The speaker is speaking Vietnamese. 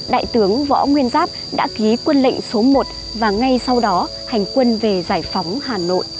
đại tướng võ nguyên giáp đã ký quân lệnh số một và ngay sau đó hành quân về giải phóng hà nội